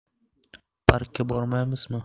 parkka bormaymizmi